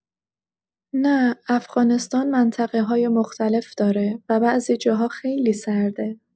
نه، افغانستان منطقه‌های مختلف داره و بعضی جاها خیلی سرده.